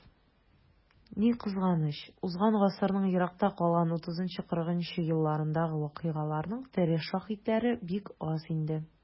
Ни кызганыч, узган гасырның еракта калган 30-40 нчы елларындагы вакыйгаларның тере шаһитлары бик аз инде.